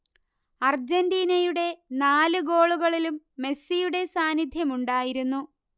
അർജന്റീനയുടെ നാല് ഗോളുകളിലും മെസ്സിയുടെ സാന്നിധ്യമുണ്ടായിരുന്നു